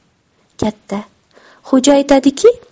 katta xo'ja aytadiki